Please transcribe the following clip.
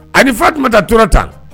A ni fatuma taa tora ta